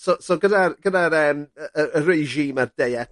so so gyda'r gyda'r yym y y regime a'r diet